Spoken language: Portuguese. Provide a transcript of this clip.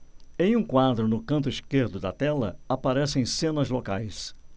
em um quadro no canto esquerdo da tela aparecem cenas locais